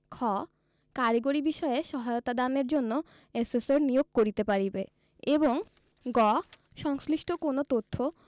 খ কারিগরি বিষয়ে সহায়তাদানের জন্য এসেসর নিয়োগ করিতে পারিবে এবং গ সংশ্লিষ্ট কোন তথ্য